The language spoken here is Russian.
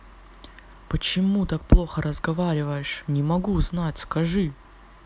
почему так плохо разговариваешь не могу знать скажи